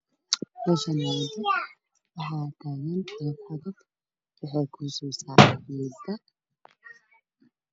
Meeshan waxa ka muuqda cagaf hagaajineysa wado laami ah